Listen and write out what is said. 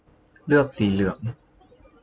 เลือกสีเหลือง